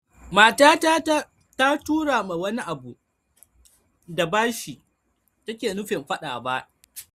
“Matata ta tura ma ta wani abu da bashi take nufin fada ba.